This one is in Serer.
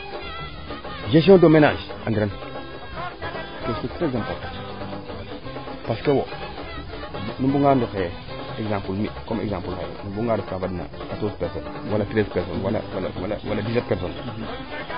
gestion de menage andi ran to c' est trés important parce que wo im buga nga roq xaye exemple xaye comme exemple im buga nga rok kaa fadna quatoze personne wala treise personne wala wala dix sept personne wala